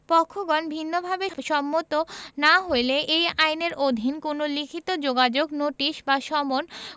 পক্ষগণ ভিন্নভাবে সম্মত না হইলে এই আইনের অধীন কোন লিখিত যোগাযোগ নোটিশ বা সমন